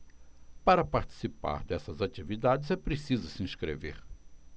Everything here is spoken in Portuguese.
para participar dessas atividades é preciso se inscrever